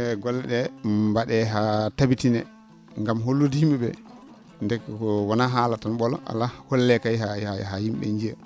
e golle ?ee mba?ee haa tabintinee ngam hollude yim?e ?ee deke ko wonaa haala tan ?ola alaa hollee kay haa haa haa yim?e ?ee njiya